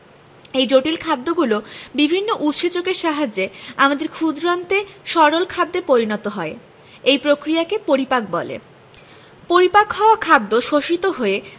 এই জটিল খাদ্যগুলো বিভিন্ন উৎসেচকের সাহায্যে আমাদের ক্ষুদ্রান্তে সরল খাদ্যে পরিণত হয় এই প্রক্রিয়াকে পরিপাক বলে পরিপাক হওয়া খাদ্য শোষিত হয়ে